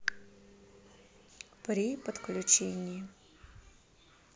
при подключении